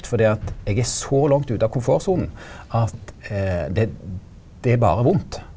fordi at eg er så langt ute av komfortsona at det er det er berre vondt.